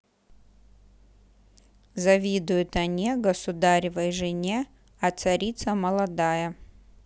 завидуют оне государевой жене а царица молодая